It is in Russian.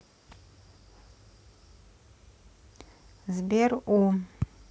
сбер у